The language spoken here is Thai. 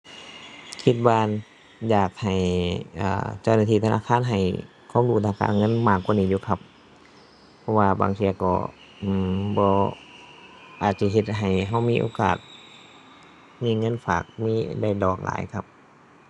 คิดว่าอยากให้ อ่า เจ้าหน้าที่ธนาคารให้ความรู้ด้านการเงินมากกว่านี้อยู่ครับ เพราะว่าบางเที่ยก็ อือ บ่ อาจจะเฮ็ดให้เรามีโอกาส มีเงินฝาก มี ได้ดอกหลายครับ